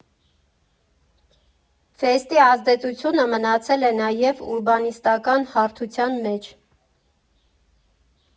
Ֆեստի ազդեցությունը մնացել է նաև ուրբանիստական հարթության մեջ.